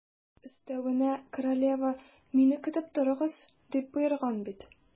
Өстәвенә, королева: «Мине көтеп торыгыз», - дип боерган бит.